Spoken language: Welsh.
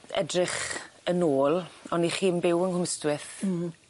edrych yn ôl on' 'ych chi'n byw yng Ngwm Ystwyth. Hmm.